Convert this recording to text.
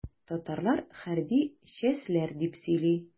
Татарлар хәрби чәстләр дип сөйли.